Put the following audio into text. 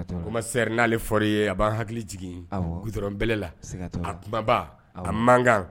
O ma seri n'ale fɔɔri ye a bɛan hakili jigin g dɔrɔnonbelela a kumaba a mankan